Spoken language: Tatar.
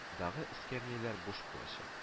Дагы эскәмияләр буш булачак